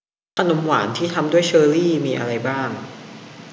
ขนมหวานที่ทำด้วยเชอร์รี่มีอะไรบ้าง